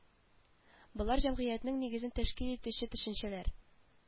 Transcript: Болар җәмгыятьнең нигезен тәшкил итүче төшенчәләр